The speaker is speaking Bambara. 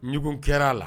Ɲɔgɔn kɛra a la